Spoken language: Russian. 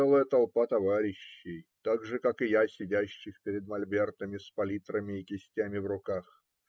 целая толпа товарищей, так же, как и я, сидящих перед мольбертами с палитрами и кистями в руках.